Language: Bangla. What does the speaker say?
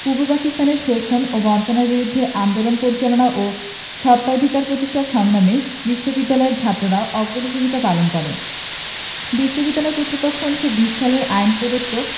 পূর্ব পাকিস্তানে শোষণ বঞ্চনার বিরুদ্ধে আন্দোলন পরিচালনা ও স্বাধিকার প্রতিষ্ঠার সংগ্রামে বিশ্ববিদ্যালয়ের ছাত্ররা অগ্রণী ভূমিকা পালন করে বিশ্ববিদ্যালয় কর্তৃপক্ষ ১৯২০ সালের আইন প্রদত্ত